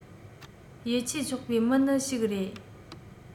ཡིད ཆེས ཆོག པའི མི ནི ཞིག རེད